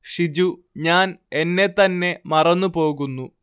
ഷിജു ഞാന്‍ എന്നെ തന്നെ മറന്നു പോകുന്നു